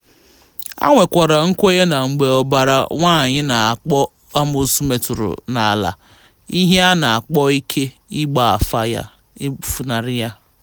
Ha nwekwara nkwenye na mgbe ọbara nwaanyị a na-akpọ amoosu metụrụ n'ala, ihe a na-akpọ ike ịgba afa ya, efunarị ya.